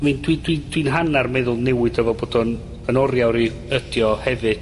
mae'n, dwi dwi'n, dwi'n hannar meddwl newid o fel bod o'n 'yn oriawr i ydi o hefyd.